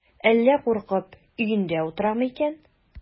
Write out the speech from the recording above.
Әллә куркып өендә утырамы икән?